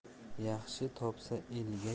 yaxshi topsa elga yoyar